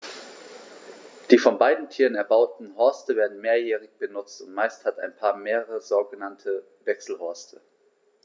Die von beiden Tieren erbauten Horste werden mehrjährig benutzt, und meist hat ein Paar mehrere sogenannte Wechselhorste.